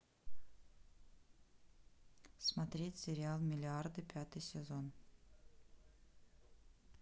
смотреть сериал миллиарды пятый сезон